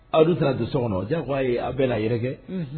Aw taara don so kɔnɔ ja ko a ye aw bɛɛ la yɛrɛ kɛ